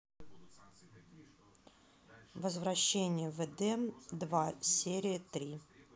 возвращение в эдем два серия три